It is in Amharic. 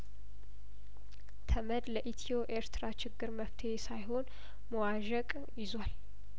ተመድ ለኢትዮ ኤርትራ ችግር መፍትሄ ሳይሆን መዋዠቅን ይዟል